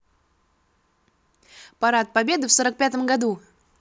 парад победы в сорок пятом году